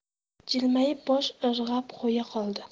jilmayib bosh irg'ab qo'ya qoldi